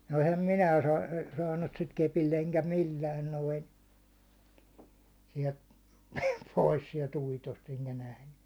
no enhän minä - saanut sitä kepillä enkä millään noin sieltä pois sieltä uitosta enkä nähnyt